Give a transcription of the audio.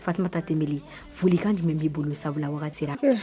Fatumata Tembeli folikan jumɛn b'i bolo sabula waati